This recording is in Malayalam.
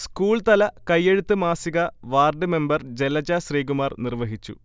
സ്കൂൾതല കയെഴുത്തു മാസിക വാർഡ് മെമ്പർ ജലജ ശ്രീകുമാർ നിർവഹിച്ചു